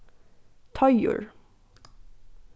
teigur